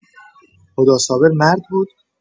هدی صابر مرد بود؟